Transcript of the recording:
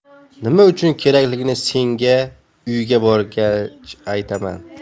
nima uchun kerakligini senga uyga borgach aytaman